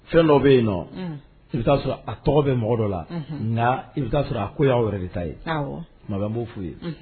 Fɛn dɔ be yennɔ uun i be t'a sɔrɔ a tɔgɔ bɛ mɔgɔ dɔ la unhun ŋaa i be t'aa sɔrɔ a ko y'aw yɛrɛ de ta ye awɔ tuma bɛ n b'o f'u ye unh